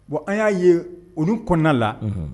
Bon an y'a ye u kɔnɔna la